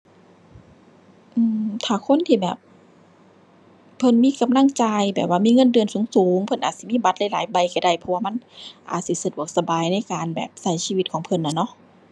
อืม ถ้าคนที่แบบ เพิ่นมีกำลังจ่าย แบบว่ามีเงินเดือนสูงสูง เพิ่นอาจสิมีบัตรหลายหลายใบก็ได้ เพราะว่ามันอาจสิสะดวกสบายในการแบบ ก็ชีวิตของเพิ่นน่ะน้อ